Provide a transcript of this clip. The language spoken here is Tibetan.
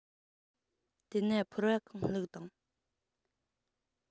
དེ ན ཕོར བ གང བླུགས དང